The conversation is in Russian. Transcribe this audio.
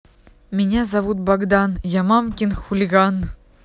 меня зовут богдан я мамкин хулиган